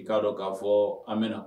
I k'a dɔn k'a fɔɔ an mɛna